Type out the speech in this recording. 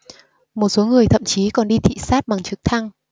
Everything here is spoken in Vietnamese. một số người thậm chí còn đi thị sát bằng trực thăng